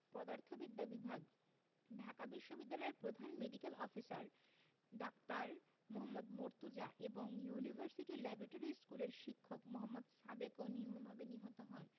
পদার্থবিদ্যা বিভাগ ঢাকা বিশ্ববিদ্যালয়ের প্রধান মেডিক্যাল অফিসার ডা. মোহাম্মদ মর্তুজা এবং ইউনিভার্সিটি ল্যাবরেটরি স্কুলের শিক্ষক মোহাম্মদ সাদেকও নির্মমভাবে নিহত হন